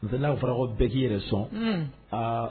N selen fara bɛɛ k'i yɛrɛ sɔn